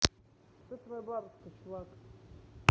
кто твоя бабушка чувак